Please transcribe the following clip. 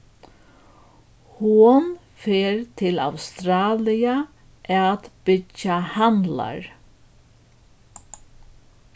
hon fer til australia at byggja handlar